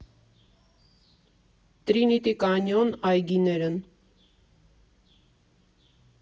Տրինիտի կանյոն այգիներն։